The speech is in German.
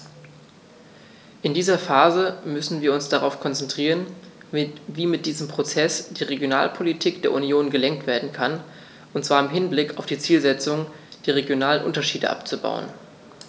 In dieser Phase müssen wir uns darauf konzentrieren, wie mit diesem Prozess die Regionalpolitik der Union gelenkt werden kann, und zwar im Hinblick auf die Zielsetzung, die regionalen Unterschiede abzubauen.